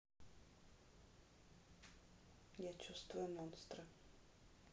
я чувствую монстра